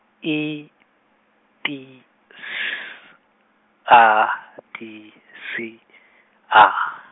I T S A T S A.